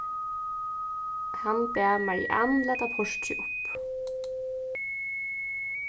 hann bað mariann lata portrið upp